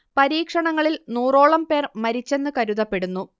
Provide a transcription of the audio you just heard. പരീക്ഷണങ്ങളിൽ നൂറോളം പേർ മരിച്ചെന്ന് കരുതപ്പെടുന്നു